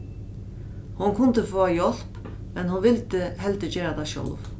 hon kundi fáa hjálp men hon vildi heldur gera tað sjálv